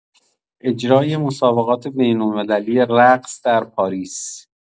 اجرای مسابقات بین‌المللی رقص در پاریس